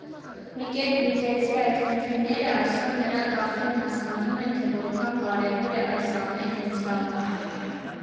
Մի կերպ լուծեցի այդ խնդիրները, այսօր նրանք արդեն հասկանում են, թե որքան կարևոր է այս ամենն ինձ համար։